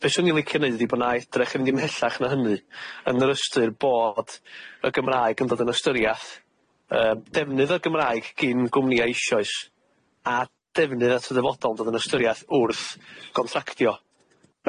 be' 'swn i licio neud ydi bo 'na edrych yn mynd ymhellach na hynny yn yr ystyr bod y Gymraeg yn dod yn ystyriath yy defnydd y Gymraeg gin gwmnia eishoes a defnydd at y dyfodol yn dod yn ystyriath wrth gontractio,